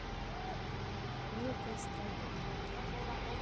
некое строение